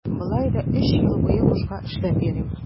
Болай да өч ел буе бушка эшләп йөрим.